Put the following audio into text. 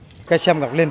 cây sâm ngọc linh